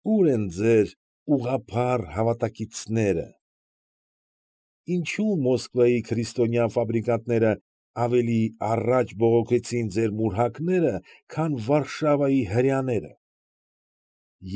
Ո՞ւր են ձեր ուղղափառ հավատակիցները. ինչո՞ւ Մոսկվայի քրիստոնյա ֆաբրիկանտները ավելի առաջ բողոքեցին ձեր մուրհակները, քան Վարշավայի հրեաները։